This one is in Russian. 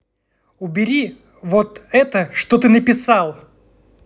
убери вот это что ты написал